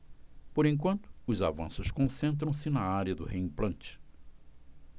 por enquanto os avanços concentram-se na área do reimplante